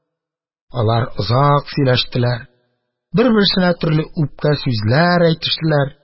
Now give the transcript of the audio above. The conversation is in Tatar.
Алар озак сөйләштеләр, бер-берсенә төрле үпкә сүзләр әйтештеләр.